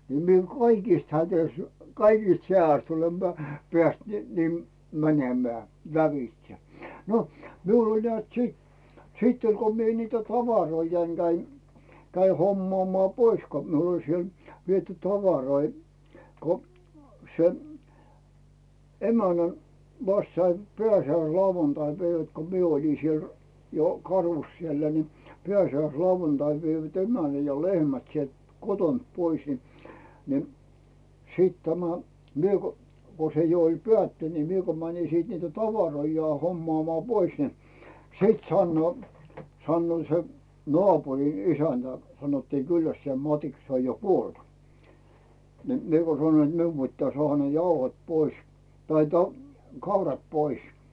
niin minä kaikista hädistä kaikista hädästä olen - päässyt niin niin menemään lävitse no minulla oli näet sitten sitten oli kun minä niitä tavaroitani kävin kävin hommaamaan pois kun minulla oli siellä viety tavaroita kun se emännän vasta sain pääsiäislauantaipäivät kun minä olin siellä jo karussa siellä niin pääsiäislauantaina veivät emännän ja lehmät sieltä kotoa pois niin niin sitten tämä minä kun kun se jo oli päättynyt niin minä kun menin sitten niitä tavaroitani hommaamaan pois niin sitten sanoo sanoo se naapurin isäntä sanottiin Kyllästisen Matiksi se on jo kuollut niin minä kun sanoin että minun pitää saada ne jauhot pois tai - kaurat pois